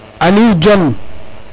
Aliou Dione